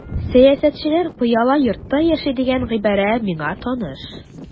Сәясәтчеләр пыяла йортта яши дигән гыйбарә миңа таныш.